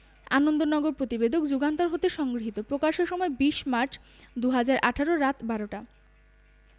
আনন্দনগর প্রতিবেদক যুগান্তর হতে সংগৃহীত প্রকাশের সময় ২০মার্চ ২০১৮ রাত ১২:০০ টা